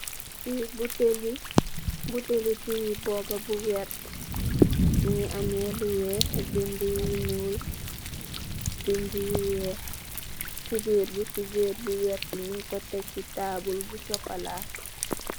Li botel li, botel li dew boppa bu vert. Mungi ameh lu weeh, bindi yu ñuul, bindi yu weeh. Kuberr bi, kuberr bu vert ñung ko tekk ci taabl bu sokola.